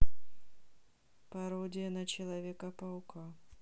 пародия на человека паука